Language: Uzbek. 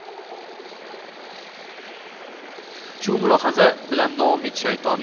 shu mulohaza bilan noumid shayton